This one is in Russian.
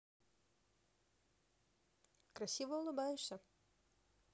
красиво улыбаешься